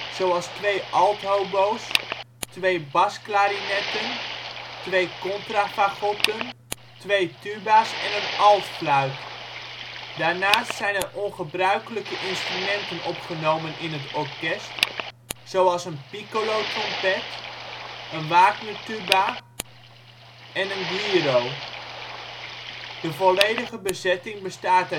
zoals twee althobo 's, twee basklarinetten, twee contrafagotten, twee tuba 's en een altfluit. Daarnaast zijn er ongebruikelijke instrumenten opgenomen in het orkest, zoals een piccolotrompet, een Wagnertuba en een güiro. De volledige bezetting bestaat